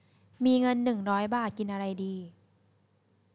มีเงินหนึ่งร้อยบาทกินอะไรดี